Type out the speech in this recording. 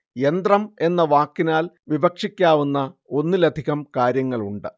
യന്ത്രം എന്ന വാക്കിനാല്‍ വിവക്ഷിക്കാവുന്ന ഒന്നിലധികം കാര്യങ്ങളുണ്ട്